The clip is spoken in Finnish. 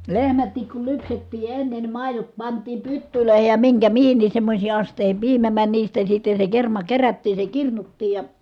lehmätkin kun lypsettiin ennen niin maidot pantiin pyttyihin ja minkä mihinkin semmoisiin astioihin piimä meni niistä sitten se kerma kerättiin se kirnuttiin ja